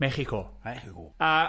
Mechico.